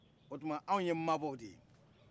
o tuua anw ye mabɔ de ye